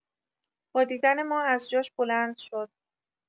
با دیدن ما از جاش بلند شد.